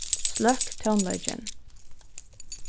sløkk tónleikin